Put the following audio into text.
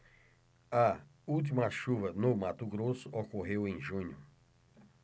a última chuva no mato grosso ocorreu em junho